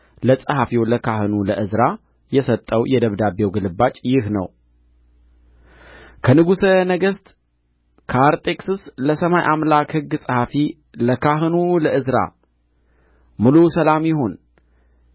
ለጸሐፊው ለካህኑ ለዕዝራ የሰጠው የደብዳቤው ግልባጭ ይህ ነው ከንጉሠ ነገሥት ከአርጤክስስ ለሰማይ አምላክ ሕግ ጸሐፊ ለካህኑ ለዕዝራ ሙሉ ሰላም ይሁን